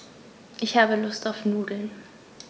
Ich habe Lust auf Nudeln.